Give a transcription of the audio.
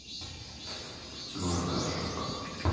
норка обжорка